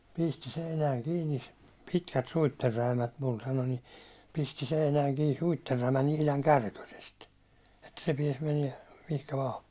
pisti seinään kiinni pitkät suitsenräimät minulle sanoi niin pisti seinään kiinni suitsenräimät ihan kärkösesti että se pääsi menemään mihin vain